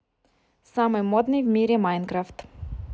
самый модный в мире minecraft